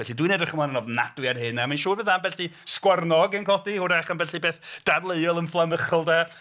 Felly dwi'n edrych ymlaen yn ofnadwy at hyn, a ma'n siŵr fyddai ambell i sgwarnog yn codi hwyrach ambell i beth dadleuol ymfflamychol de.